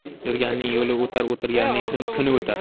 yurganning yo'li o'tar o'tirganning kuni o'tar